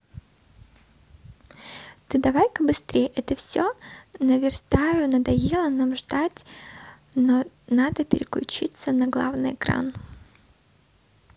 ты давай ка быстрей это все наверстаю надоело нам ждать но надо переключиться на главный экран